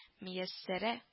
Мияссәрә